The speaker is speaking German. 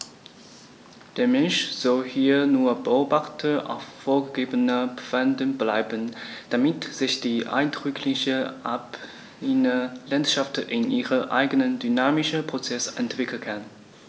Der Mensch soll hier nur Beobachter auf vorgegebenen Pfaden bleiben, damit sich die eindrückliche alpine Landschaft in ihren eigenen dynamischen Prozessen entwickeln kann.